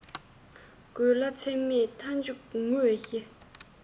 དགོད ལ ཚོད མེད མཐའ མཇུག ངུ བའི གཞི